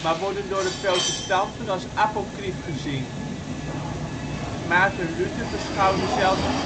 maar worden door de protestanten als apocrief gezien. Maarten Luther beschouwde zelfs het